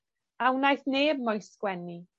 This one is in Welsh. A wnaeth neb mo'i sgwennu,